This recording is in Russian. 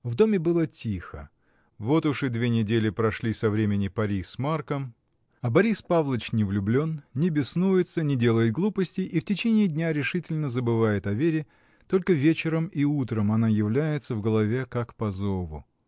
В доме было тихо, вот уж и две недели прошли со времени пари с Марком, а Борис Павлыч не влюблен, не беснуется, не делает глупостей и в течение дня решительно забывает о Вере, только вечером и утром она является в голове, как по зову.